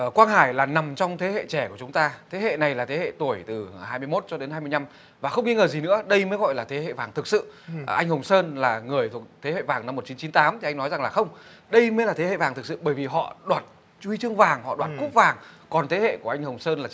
ở quang hải là nằm trong thế hệ trẻ của chúng ta thế hệ này là thế hệ tuổi từ hai mươi mốt cho đến hai mươi nhăm và không nghi ngờ gì nữa đây mới gọi là thế hệ vàng thực sự anh hùng sơn là người thuộc thế hệ vàng năm một chín chín tám thì anh nói rằng là không đây mới là thế hệ vàng thực sự bởi vì họ đoạt huy chương vàng họ đoạt cúp vàng còn thế hệ của anh hồng sơn là